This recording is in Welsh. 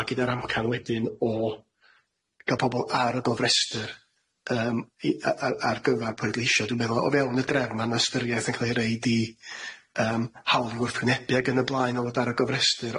a gyda'r amcan wedyn o ga'l pobol ar y gofrestyr yym i- a- a- ar gyfar pleidleisio dwi'n meddwl o fewn y drefn ma'n ystyriaeth yn ca'l ei roid i yym hawl wrthgwynebie ag yn y blaen o fod ar y gofrestyr,